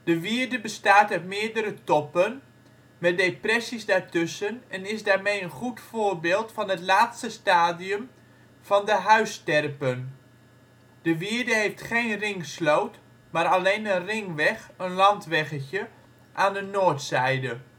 wierde bestaat uit meerdere toppen met depressies daartussen en is daarmee een goed voorbeeld van het laatste stadium van de huisterpen. De wierde heeft geen ringsloot, maar alleen een ringweg (landweggetje) aan noordzijde